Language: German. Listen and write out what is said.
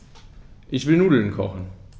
Ich will Nudeln kochen.